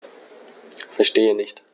Verstehe nicht.